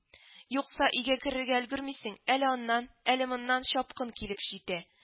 —юкса, өйгә керергә өлгермисең, әле аннан, әле моннан чапкын килеп җитә